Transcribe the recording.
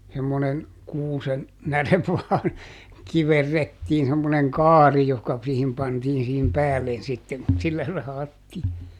semmoinen kuusen näre vain kiverrettiin semmoinen kaari johon - siihen pantiin siihen päälle sitten mutta sillä sahattiin